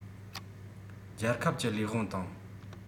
རྒྱལ ཁབ ཀྱི ལས དབང དང